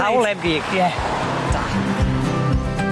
Cawl heb gig. Ie. Da.